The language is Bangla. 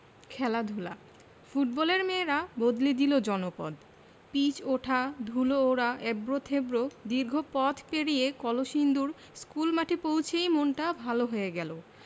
খেলাধুলা ফুটবলের মেয়েরা বদলে দিল জনপদ পিচ ওঠা ধুলো ওড়া এবড়োতেবড়ো দীর্ঘ পথ পেরিয়ে কলসিন্দুর স্কুলমাঠে পৌঁছেই মনটা ভালো হয়ে গেল